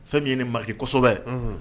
Fɛn min ye ma kosɛbɛ